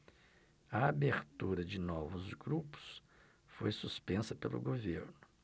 a abertura de novos grupos foi suspensa pelo governo